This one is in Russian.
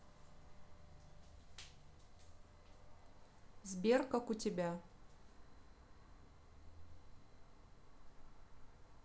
сбер как у тебя